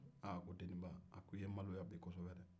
aa a ko deniba i ye n maloya bi kosɔbɛ dɛ